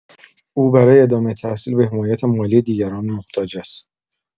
او برای ادامه تحصیل به حمایت مالی دیگران محتاج است.